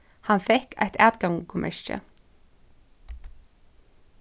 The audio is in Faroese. hann fekk eitt atgongumerki